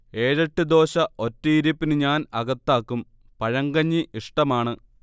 ഏഴെട്ട് ദോശ ഒറ്റയിരുപ്പിനു ഞാൻ അകത്താക്കും, പഴങ്കഞ്ഞി ഇഷ്ടമാണ്